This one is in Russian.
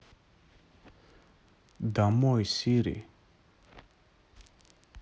домой сири